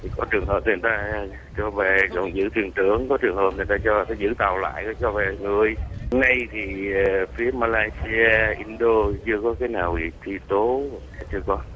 thì có trường hợp hiện tại chưa về còn giữ thuyền trưởng có trường hợp người ta chờ giữ tàu lại về được người này thì phía ma lai xi a in đô chưa có cái nào bị truy tố chưa có